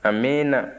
amiina